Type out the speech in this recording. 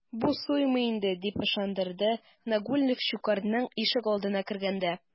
Бу суймый инде, - дип ышандырды Нагульнов Щукарьның ишегалдына кергәндә.